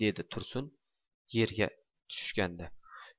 dedi tursun yerga tushishganda